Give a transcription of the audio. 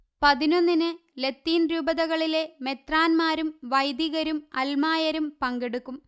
പതിനൊന്നിന് ലത്തീൻരൂപതകളിലെ മെത്രാന്ന്മാരും വൈദികരും അല്മായരും പങ്കെടുക്കും